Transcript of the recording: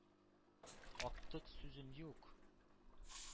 — актык сүзем юк.